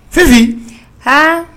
Sisansi hɔn